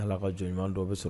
N' ka jɔn dɔ bɛ so